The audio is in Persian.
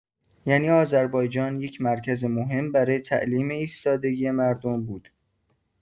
یعنی آذربایجان یک مرکز مهم برای تعلیم ایستادگی مردم بود.